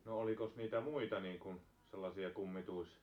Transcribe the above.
no olikos niitä muita niin kuin sellaisia -